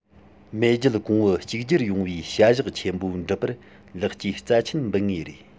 མེས རྒྱལ གོང བུ གཅིག གྱུར ཡོང བའི བྱ གཞག ཆེན པོ སྒྲུབ པར ལེགས སྐྱེས རྩ ཆེན འབུལ ངེས རེད